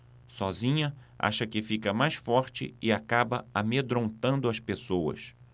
sozinha acha que fica mais forte e acaba amedrontando as pessoas